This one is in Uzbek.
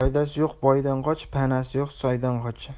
foydasi yo'q boydan qoch panasi yo'q soydan qoch